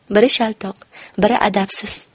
biri shaltoq biri adabsiz